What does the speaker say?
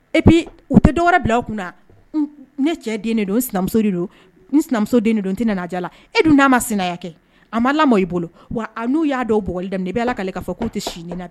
Epui u tɛ dɔwɛrɛ bila u kun na , ne cɛ den de don . N sinamuso de don. N sinamuso den de don n tɛ na ja la. E dun na ma sinaya kɛ, a ma lamɔ i bolo wa nu ya dɔw bukɔli daminɛ i bi Ala kale ka fɔ ku ti si ni na .